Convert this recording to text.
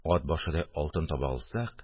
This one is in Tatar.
Ат башыдай алтын» таба алсак